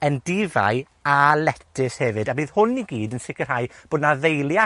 endifau a letys hefyd, a bydd hwn i gyd yn sicirhau bo' 'na ddeulia